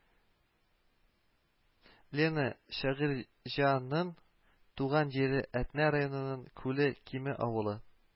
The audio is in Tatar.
Лена Шагыйрьҗанның Туган җире Әтнә районының Күлле Киме авылы